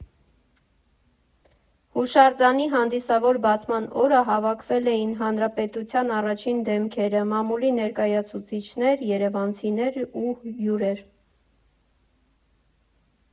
Հուշարձանի հանդիսավոր բացման օրը հավաքվել էին հանրապետության առաջին դեմքերը, մամուլի ներկայացուցիչներ, երևանցիներ ու հյուրեր։